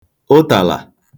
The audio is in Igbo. ụtàlà